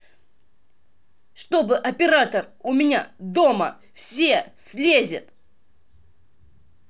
чтобы оператор у меня дома все слезет